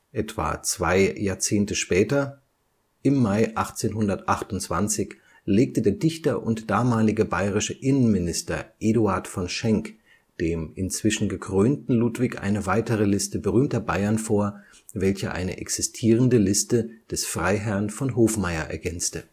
Etwa zwei Jahrzehnte später, im Mai 1828, legte der Dichter und damalige bayerische Innenminister Eduard von Schenk dem inzwischen gekrönten Ludwig eine weitere Liste berühmter Bayern vor, welche eine existierende Liste des Freiherrn von Hofmayr ergänzte